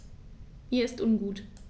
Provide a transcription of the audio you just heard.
Mir ist ungut.